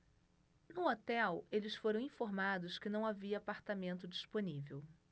no hotel eles foram informados que não havia apartamento disponível